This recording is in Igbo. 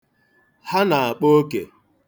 Ha na-akpa oke.